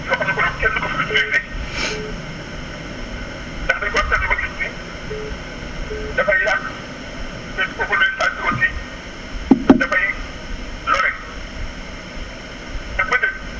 loo xam ne Europe kenn du ko fa utilisé ndax dañ koo seetlu ba gis ni dafay yàq *** aussi dafay lore yaa ngi may dégg